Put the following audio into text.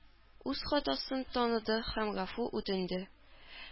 Үз хатасын таныды һәм гафу үтенде.